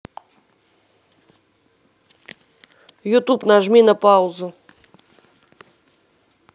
ютуб нажми на паузу